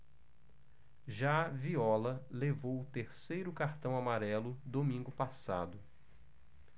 já viola levou o terceiro cartão amarelo domingo passado